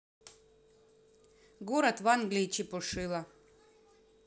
город в англии чепушила